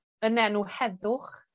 yn enw heddwch